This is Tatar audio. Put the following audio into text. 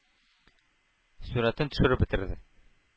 Сурәтен төшереп бетерде...